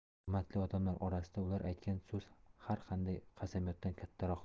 hurmatli odamlar orasida ular aytgan so'z har qanday qasamyoddan kattaroqdir